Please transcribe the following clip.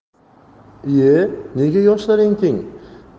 iy e nega yoshlaring teng